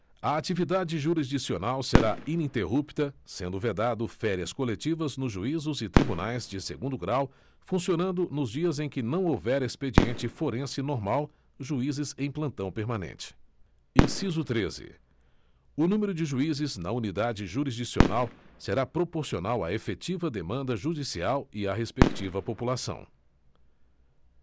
a atividade jurisdicional será ininterrupta sendo vedado férias coletivas nos juízos e tribunais de segundo grau funcionando nos dias em que não houver expediente forense normal juízes em plantão permanente inciso treze o número de juízes na unidade jurisdicional será proporcional à efetiva demanda judicial e à respectiva população